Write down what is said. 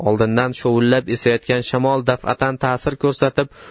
oldindan shovullab esayotgan shamol daf'atan ta'sir etib